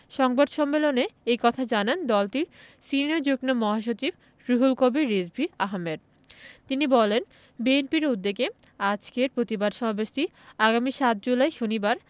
সংবাদ সম্মেলন এ কথা জানান দলটির সিনিয়র যুগ্ম মহাসচিব রুহুল কবির রিজভী আহমেদ তিনি বলেন বিএনপির উদ্যোগে আজকের প্রতিবাদ সমাবেশটি আগামী ৭ জুলাই শনিবার